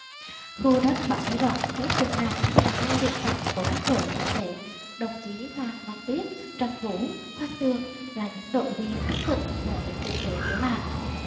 khu đất bãi rộng trước đình làng là nơi luyện tập của các đội tự vệ đồng chí phan văn tuyết trần vũ phan tường là những đội viên tích cực đội tự vệ của làng